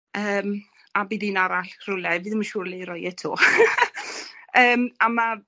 yym a bydd un arall rywle. Fi ddim yn siwr le i roi e 't. Yym a ma'